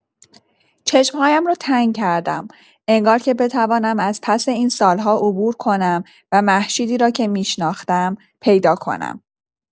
چشم‌هایم را تنگ کردم، انگار که بتوانم از پس این سال‌ها عبور کنم و مهشیدی را که می‌شناختم پیدا کنم.